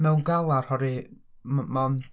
Mewn galar oherwydd m- mond...